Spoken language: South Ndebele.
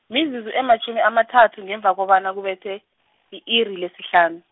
mizuzu ematjhumi amathathu ngemva kobana kubethe, i-iri lesihlanu.